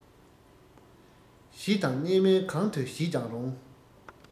གཞི དང གནས མལ གང དུ བྱེད ཀྱང རུང